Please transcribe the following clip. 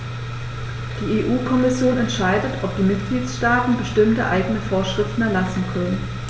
Die EU-Kommission entscheidet, ob die Mitgliedstaaten bestimmte eigene Vorschriften erlassen können.